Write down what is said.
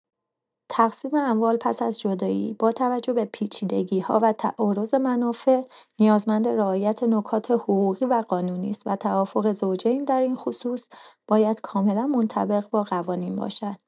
تقسیم اموال پس از جدایی، با توجه به پیچیدگی‌ها و تعارض منافع، نیازمند رعایت نکات حقوقی و قانونی است و توافق زوجین در این خصوص باید کاملا منطبق با قوانین باشد.